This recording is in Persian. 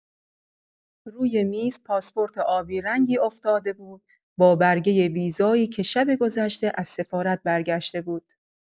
روی میز، پاسپورت آبی‌رنگی افتاده بود با برگۀ ویزایی که شب گذشته از سفارت برگشته بود.